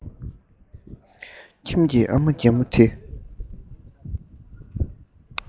ཁྱིམ གྱི ཨ མ རྒན མོ དེས